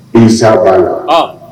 Nsabaa